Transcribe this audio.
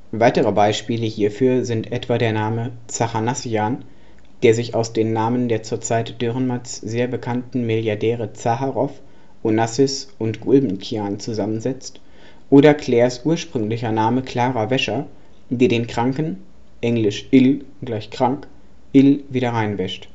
Weitere Beispiele hierfür sind etwa der Name „ Zachanassian “, der sich aus den Namen der zur Zeit Dürrenmatts sehr bekannten Milliardäre Zaharoff, Onassis und Gulbenkian zusammensetzt oder Claires ursprünglicher Name „ Klara Wäscher “, die den kranken (engl. ill = krank) Ill wieder reinwäscht